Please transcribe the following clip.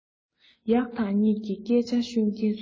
ཡག དང ཉེས ཀྱི སྐད ཆ ཤོད ཀྱིན སོང